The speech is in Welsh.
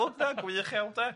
Wel da, gwych iawn de.